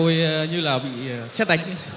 tôi như là bị sét đánh